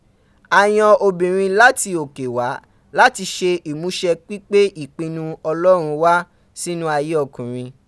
A yan obinrin lati oke wa lati se imuse pipe ipinnu Olorun wa sinu aye okunrin.